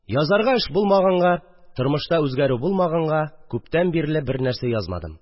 Язарга эш булмаганга, тормышта үзгәрү булмаганга, күптән бирле бернәрсә язмадым